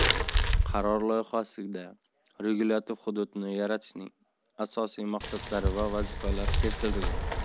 qaror loyihasida regulyativ hudud ni yaratishning asosiy maqsadlari va vazifalari keltirilgan